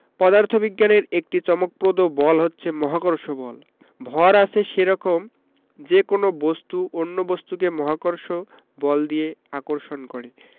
পদার্থবিজ্ঞানের একটি চমকপ্রদ বল হচ্ছে মহাকর্ষ বল ভর আছে সেরকম যেকোনো বস্তু অন্য বস্তুকে মহাকর্ষ বল দিয়ে আকর্ষণ করে